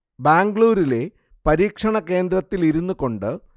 ബാംഗ്ലൂരിലെ പരീക്ഷണ കേന്ദ്രത്തിലിരുന്നുകൊണ്ട്